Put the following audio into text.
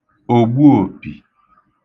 ògbuòpì